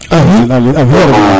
amiin